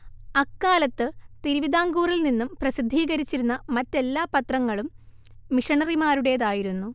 അക്കാലത്ത് തിരുവിതാംകൂറിൽ നിന്നും പ്രസിദ്ധീകരിച്ചിരുന്ന മറ്റെല്ലാ പത്രങ്ങളും മിഷണറിമാരുടേതായിരുന്നു